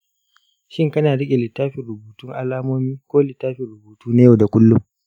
shin kana riƙe littafin rubuta alamomi ko littafin rubutu na yau da kullum?